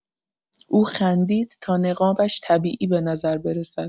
او خندید تا نقابش طبیعی به نظر برسد.